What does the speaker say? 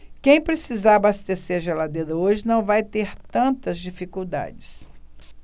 quem precisar abastecer a geladeira hoje não vai ter tantas dificuldades